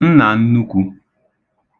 nnànnukwū